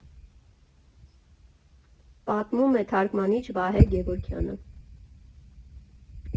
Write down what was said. Պատմում է թարգմանիչ Վահե Գևորգյանը։